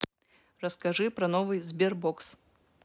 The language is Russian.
расскажи про новый sberbox